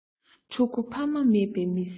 ཕྲུ གུ ཕ མ མེད པ མི སྲིད ཀྱང